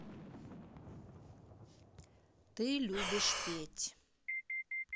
ты любишь петь